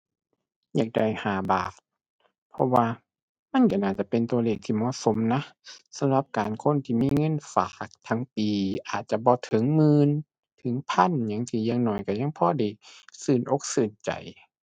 อยากได้ห้าบาท เพราะว่ามันก็น่าจะเป็นตัวเลขที่เหมาะสมนะ สำหรับการคนที่มีเงินฝากทั้งปีอาจจะบ่ก็หมื่น ถึงพันหยังซี้ อย่างน้อยก็ยังพอได้ ก็อกก็ใจ